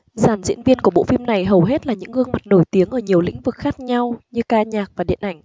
dàn diễn viên của bộ phim này hầu hết là những gương mặt nổi tiếng ở nhiều lĩnh vực khác nhau như ca nhạc và điện ảnh